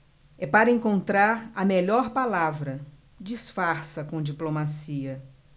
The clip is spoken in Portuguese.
é para encontrar a melhor palavra disfarça com diplomacia